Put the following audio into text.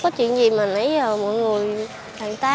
có chuyện gì mà nãy giờ mọi người bàn tán